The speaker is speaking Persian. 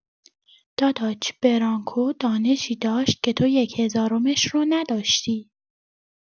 داداچ برانکو دانشی داشت که تو یک‌هزارمش رو نداشتی!